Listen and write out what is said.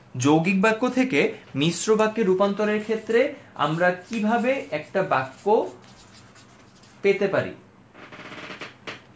যৌগিক বাক্য থেকে মিশ্র বাক্যে রূপান্তরের ক্ষেত্রে আমরা কিভাবে একটা বাক্য পেতে পারি